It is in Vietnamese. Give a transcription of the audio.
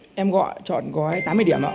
em gọi trọn gói tám mươi điểm ạ